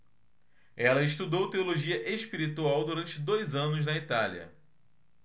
ela estudou teologia espiritual durante dois anos na itália